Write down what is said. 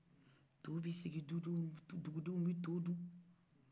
to be sigi dugu denw bɛ to dun